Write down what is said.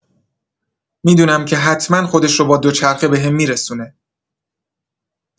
می‌دونم که حتما خودش رو با دوچرخه بهم می‌رسونه.